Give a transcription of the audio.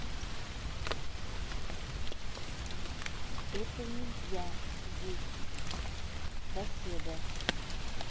это нельзя есть соседа